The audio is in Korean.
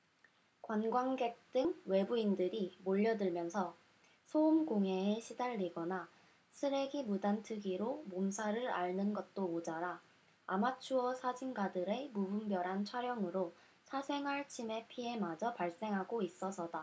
관광객 등 외부인들이 몰려 들면서 소음 공해에 시달리거나 쓰레기 무단 투기로 몸살을 앓는 것도 모자라 아마추어 사진가들의 무분별한 촬영으로 사생활 침해 피해마저 발생하고 있어서다